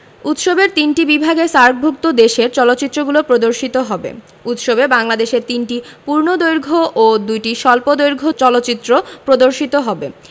উৎসবের তিনটি বিভাগে সার্কভুক্ত দেশের চলচ্চিত্রগুলো প্রদর্শিত হবে উৎসবে বাংলাদেশের ৩টি পূর্ণদৈর্ঘ্য ও ২টি স্বল্পদৈর্ঘ্য চলচ্চিত্র প্রদর্শিত হবে